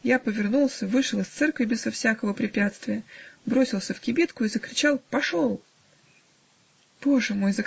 Я повернулся, вышел из церкви безо всякого препятствия, бросился в кибитку и закричал: "Пошел!" -- Боже мой!